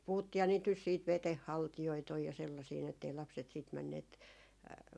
puhuttiinhan niitä nyt sitten veden haltijoita on ja sellaisia niin että ei lapset sitten menneet